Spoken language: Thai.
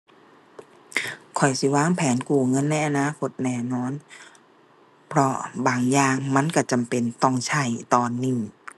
ข้อยสิวางแผนกู้เงินในอนาคตแน่นอน เพราะบางอย่างมันก็จำเป็นต้องใช้ตอนนี้